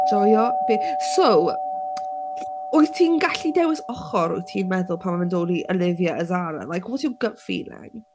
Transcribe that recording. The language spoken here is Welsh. Joio. So wyt ti'n gallu dewis ochr, wyt ti'n meddwl pan mae fe'n dod i Olivia a Zara? Like what's your gut feeling?